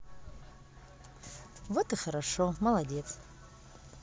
вот и хорошо молодец